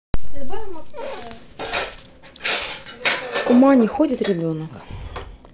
ума не ходит ребенок